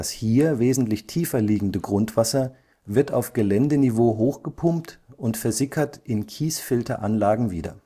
hier wesentlich tiefer liegende Grundwasser wird auf Geländeniveau hochgepumpt und versickert in Kiesfilteranlagen wieder